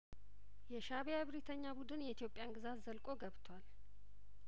የሻእቢያ እብሪተኛ ቡድን የኢትዮጵያን ግዛት ዘልቆ ገብቷል